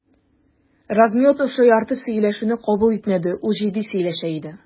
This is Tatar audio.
Размётнов шаяртып сөйләшүне кабул итмәде, ул җитди сөйләшә иде.